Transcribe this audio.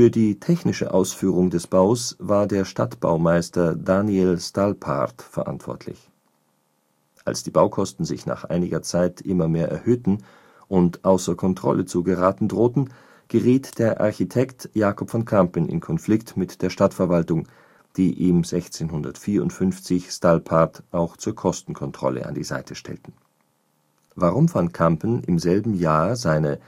die technische Ausführung des Baus war der Stadtbaumeister Daniël Stalpaert verantwortlich. Als die Baukosten sich nach einiger Zeit immer mehr erhöhten und außer Kontrolle zu geraten drohten, geriet der Architekt Jacob van Campen in Konflikt mit der Stadtverwaltung, die ihm 1654 Stalpaert auch zur Kostenkontrolle an die Seite stellten. Warum van Campen im selben Jahr seine